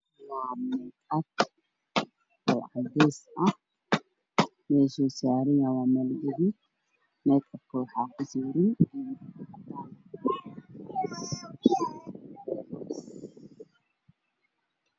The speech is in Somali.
Waa mayk ap oo cadays ah meesha uu saaran yahay waa meel gaduud ah mayk apka waxa ku sawiran diilin cadaan ah